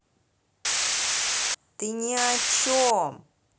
ты ни о чем